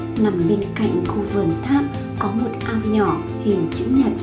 nằm bên cạnh khu vườn tháp có một ao nhỏ hình chữ nhật